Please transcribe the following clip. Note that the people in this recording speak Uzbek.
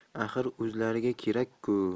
axir o'zlariga kerak ku